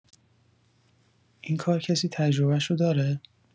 این کار کسی تجربشو داره؟